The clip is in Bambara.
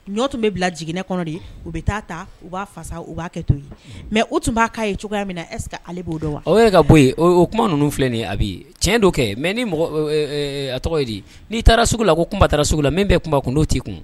Ɲɔ tun bɛ bila jiginɛ kɔnɔ de, u bɛ taa ta, u b'a fasa, u b'a kɛ to ye, mais o tun b'a k'a ye cogoya min na est ce que ale b'o dɔn wa, yɛrɛ ka bɔ yen o kuma ninnu filɛ nin ye Abi tiɲɛ dɔ kɛ mais ni mɔgɔ ɛ ɛ a tɔgɔ ye d n'i taara sugu la ko Kunba taara sugu la min bɛ Kunba kun n'o t'i kun